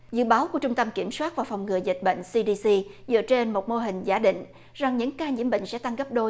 dự báo của trung tâm kiểm soát và phòng ngừa dịch bệnh xi đi xi dựa trên một mô hình giả định rằng những ca nhiễm bệnh sẽ tăng gấp đôi